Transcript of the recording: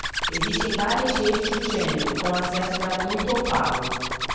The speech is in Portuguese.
existem várias redes do gênero com acesso gratuito ou pago